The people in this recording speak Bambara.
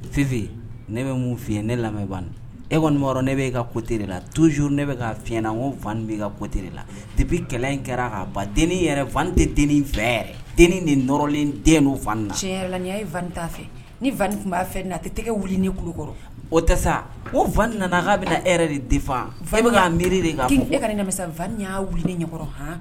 Fife ne bɛ mun fi ye ne lamɛn e kɔni ne bɛ e ka kote la tozo ne fiɲɛ nain' ka kote la de bɛ kɛlɛ in kɛra ka ba den yɛrɛ fan tɛ den fɛ den niɔrɔlen den fanlaaniya ye faninta fɛ ni fain tun b'a fɛ a tɛ tɛgɛ wuli ni kulu kɔrɔ o tɛ sa o fa nanaga bɛ e de de faa fa bɛ'a miiri de kan kamiin'a wili ni ɲɛ h